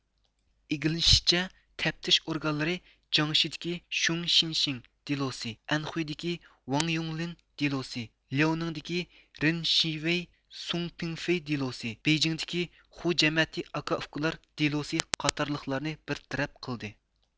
ئىگىلىنىشىچە تەپتىش ئورگانلىرى جياڭشىدىكى شيۇڭ شىنشىڭ دېلوسى ئەنخۇيدىكى ۋاڭ يۇڭلىن دېلوسى لياۋنىڭدىكى رېن شىۋېي سۇڭ پېڭفېي دېلوسى بېيجىڭدىكى خۇ جەمەتى ئاكا ئۇكىلار دېلوسى قاتارلىقلارنى بىرتەرەپ قىلدى